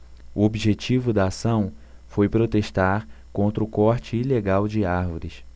o objetivo da ação foi protestar contra o corte ilegal de árvores